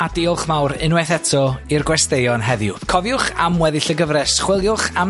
a diolch mawr unwaith eto i'r gwastayon heddiw cofiwch am weddill y gyfres, chweliwch am